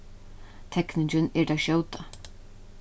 tekningin er tað skjóta